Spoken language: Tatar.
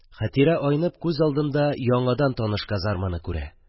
Хәтирә айнып, күз алдында яңадан таныш казарманы күрә.